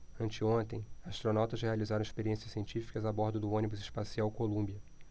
anteontem astronautas realizaram experiências científicas a bordo do ônibus espacial columbia